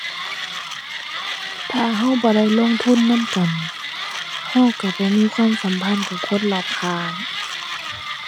ถ้าเราบ่ได้ลงทุนนำกันเราเราบ่มีความสัมพันธ์กับคนรอบข้าง